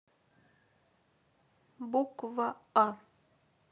буква а